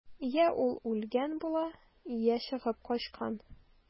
Йә ул үлгән була, йә чыгып качкан.